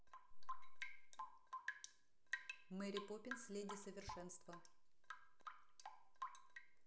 мэри поппинс леди совершенство